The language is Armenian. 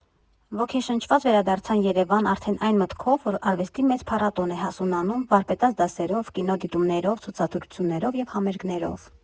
Ոգեշնչված վերադարձան Երևան արդեն այն մտքով, որ արվեստի մեծ փառատոն է հասունանում՝ վարպետաց դասերով, կինոդիտումներով, ցուցադրություններով և համերգներով։